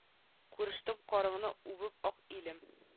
Күрештем карыңны үбеп ак илем